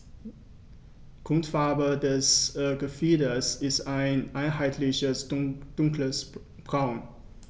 Grundfarbe des Gefieders ist ein einheitliches dunkles Braun.